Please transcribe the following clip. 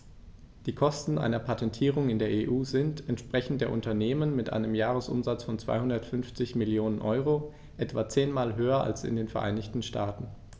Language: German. Die Kosten einer Patentierung in der EU sind, entsprechend der Unternehmen mit einem Jahresumsatz von 250 Mio. EUR, etwa zehnmal höher als in den Vereinigten Staaten.